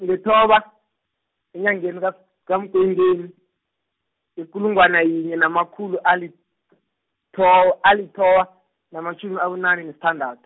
lithoba, enyangeni ka-, kaMngwengweni, ikulungwana yinye namakhulu alit- , thob- alithoba, namatjhumi abunane, nesithandath-.